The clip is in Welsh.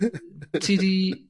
Ti 'di